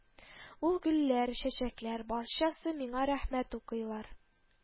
Ул гөлләр, чәчәкләр барчасы миңа рәхмәт укыйлар